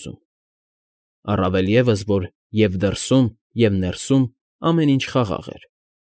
Ուզում։ Առավել ևս, որ և՛ դրսում, և՛ ներսում ամեն ինչ խաղաղ էր։